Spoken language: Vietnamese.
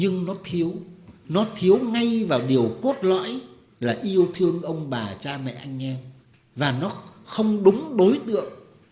nhưng nó thiếu nó thiếu ngay vào điều cốt lõi là yêu thương ông bà cha mẹ anh em và nó không đúng đối tượng